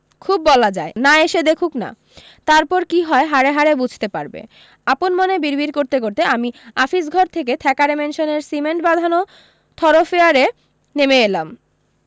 খুব বলা যায় না এসে দেখুক না তারপর কী হয় হাড়ে হাড়ে বুঝতে পারবে আপন মনে বিড়বিড় করতে করতে আমি আফিস ঘর থেকে থ্যাকারে ম্যানসনের সিমেণ্ট বাঁধানো থরোফেয়ারে নেমে এলাম